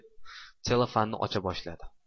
tsellofanni ochaboshladi